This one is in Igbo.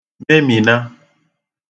memìna